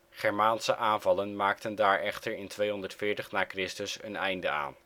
Germaanse aanvallen maakten daar echter in 240 na Chr. een einde aan